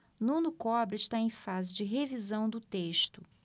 nuno cobra está em fase de revisão do texto